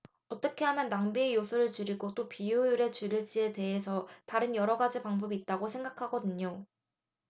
어떻게 하면 낭비의 요소를 줄이고 또 비효율을 줄일지에 대해서 다른 여러 가지 방법이 있다고 생각하거든요